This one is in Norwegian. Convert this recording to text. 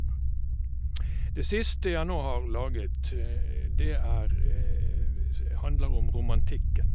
Det siste jeg nå har laget, det er handler om romantikken.